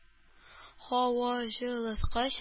Һаваҗылыткыч